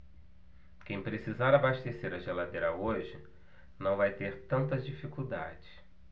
quem precisar abastecer a geladeira hoje não vai ter tantas dificuldades